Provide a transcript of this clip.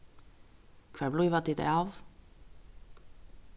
hvar blíva tit av